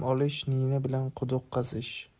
bilan quduq qazish